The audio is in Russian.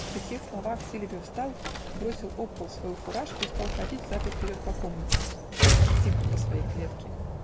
При сих словах Сильвио встал, бросил об пол свою фуражку и стал ходить взад и вперед по комнате, как тигр по своей клетке.